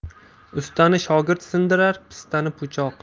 ustani shogird sindirar pistani po'choq